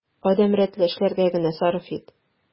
Адәм рәтле эшләргә генә сарыф ит.